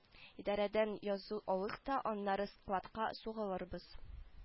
Идарәдән язу алыйк та аннары складка сугылырбыз